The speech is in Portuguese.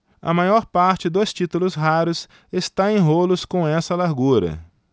a maior parte dos títulos raros está em rolos com essa largura